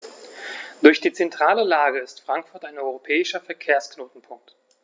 Durch die zentrale Lage ist Frankfurt ein europäischer Verkehrsknotenpunkt.